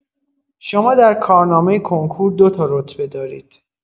شما در کارنامه کنکور دو تا رتبه دارید